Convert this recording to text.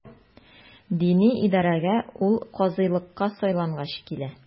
Дини идарәгә ул казыйлыкка сайлангач килә.